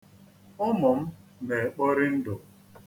Ụmụ m na-ekpori ndụ.